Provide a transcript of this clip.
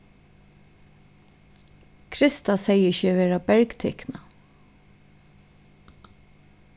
krista segði seg vera bergtikna